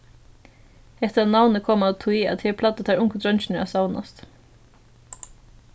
hetta navnið kom av tí at her plagdu teir ungu dreingirnir at savnast